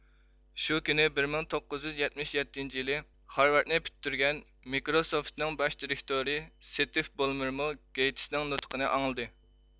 شۇ كۈنى بىر مىڭ توققۇز يۈز يەتمىش يەتتىنچى يىلى خارۋاردنى پۈتتۈرگەن مىكرو سوفىتنىڭ باش دېرىكتورى سىتېف بولمېرمۇ گېيتىسنىڭ نۇتىقىنى ئاڭلىدى